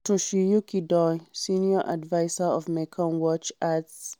Toshiyuki Doi, senior adviser of Mekong watch, adds: